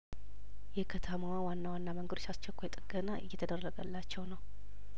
የከተማዋ ዋና ዋና መንገዶች አስቸኳይ ጥገና እየተደረገላቸው ነው